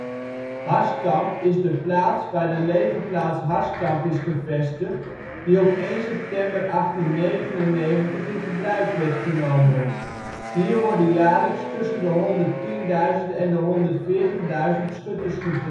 Harskamp is de plaats waar de Legerplaats Harskamp is gevestigd die op 1 september 1899 in gebruik werd genomen. Hier worden jaarlijks tussen de 110.000 en 140.000 schutters getraind